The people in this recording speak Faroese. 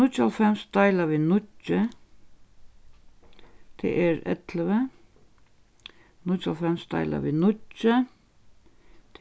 níggjuoghálvfems deila við níggju tað er ellivu níggjuoghálvfems deila við níggju